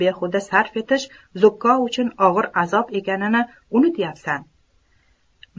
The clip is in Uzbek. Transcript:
behuda sarf etish zukko uchun og'ir azob ekanini unutyapsan